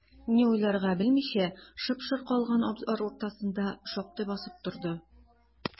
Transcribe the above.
Ни уйларга белмичә, шып-шыр калган абзар уртасында шактый басып торды.